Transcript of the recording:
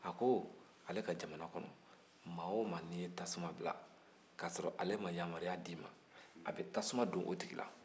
a ko ale ka jamana kɔnɔ maa o maa n'i ye tasuma bila k'asɔrɔ ale ma yamaruya d'i ma k'ale bɛ ta bila o tigi la